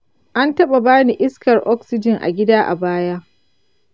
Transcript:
an taɓa bani iskar oxygen a gida a baya.